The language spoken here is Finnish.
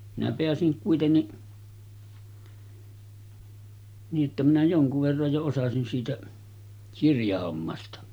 minä pääsin kuitenkin niin että minä jonkun verran jo osasin siitä kirjahommasta